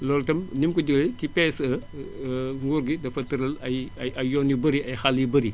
loolu itam ñu ngi ko jëlee ci PSE nguur gi dafa tëral ay ay ay yoon yu bari ay xàll yu bari